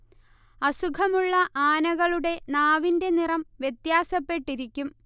അസുഖമുള്ള ആനകളുടെ നാവിന്റെ നിറം വ്യത്യാസപ്പെട്ടിരിക്കും